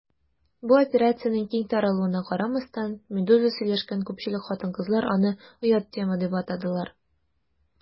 Бу операциянең киң таралуына карамастан, «Медуза» сөйләшкән күпчелек хатын-кызлар аны «оят тема» дип атадылар.